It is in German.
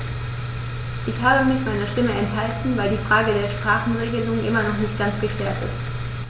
Ich habe mich meiner Stimme enthalten, weil die Frage der Sprachenregelung immer noch nicht ganz geklärt ist.